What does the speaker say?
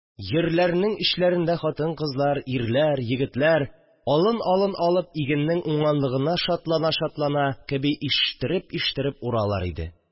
Йирләрнең эчләрендә хатын-кызлар, ирләр, егетләр алын-алын алып, игеннең уңганлыгына шатлана-шатлана кеби иштереп-иштереп уралар иде.